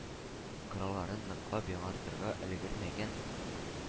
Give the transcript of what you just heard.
Коралларын ныклап яңартырга өлгермәгән,